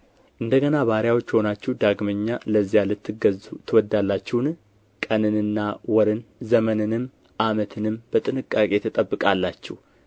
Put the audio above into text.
እንደ ገና ባሪያዎች ሆናችሁ ዳግመኛ ለዚያ ልትገዙ ትወዳላችሁን ቀንንና ወርን ዘመንንም ዓመትንም በጥንቃቄ ትጠብቃላችሁ